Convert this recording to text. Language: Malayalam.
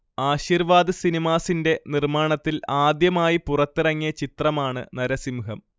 ആശീർവാദ് സിനിമാസിന്റെ നിർമ്മാണത്തിൽ ആദ്യമായി പുറത്തിറങ്ങിയ ചിത്രമാണ് നരസിംഹം